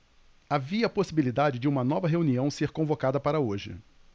havia possibilidade de uma nova reunião ser convocada para hoje